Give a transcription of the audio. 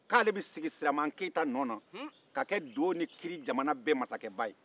ko ale bɛ sigi siraman keyita nɔ na ka kɛ do ni kiri jamana bɛɛ masakɛba ye